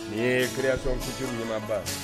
Nin ye création couture ɲɛmaaba